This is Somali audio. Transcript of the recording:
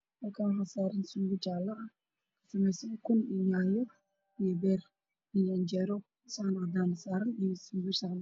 Halkaan waxaa saaran suugo jaale ah kasameysan ukun iyo yaanyo, beer iyo canjeelo saxan cadaan ah saaran.